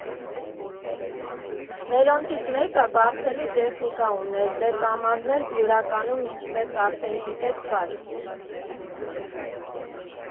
Մերոնցից մեկը բարձելու տեխնիկա ուներ, դե Կամազն էլ Բյուրականում, ինչպես արդեն գիտեք, կար։